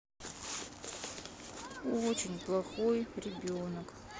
очень плохой ребенок